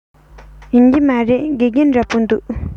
ཡིན གྱི མ རེད དགེ རྒན འདྲ པོ འདུག